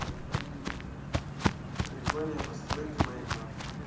прикольные постройки майнкрафт